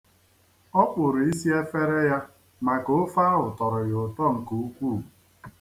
Ọ kpụrụ isi efere ya maka ofe ahụ tọrọ ya ụtọ nke ukwu.